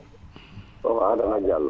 o ko Adama diallo